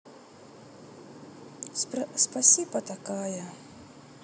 спаси потакая